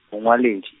mongwaledi.